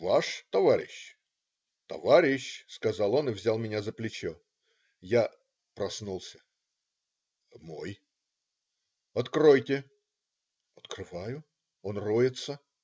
- "Ваш, товарищ?"- "Товарищ!" - сказал он и взял меня за плечо. Я "проснулся". "Мой". - "Откройте!" Открываю. Он роется.